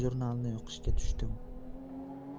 jurnalni o'qishga tushdim